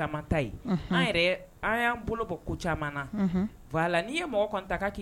An bolo ye mɔgɔ kan ta ye